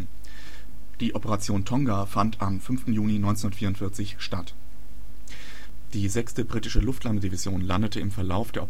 Tonga fand am 5. Juni 1944 statt. Die 6. Britische Luftlandedivision landete im Verlauf der